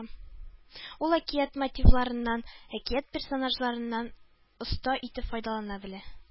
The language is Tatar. Ул әкият мотивларыннан, әкият персонажларыннан оста итеп файдалана белә